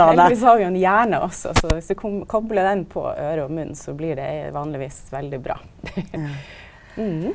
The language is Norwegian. heldigvis har vi ein hjerne også, så viss du koplar den på øyre og munn så blir det vanlegvis veldig bra ja.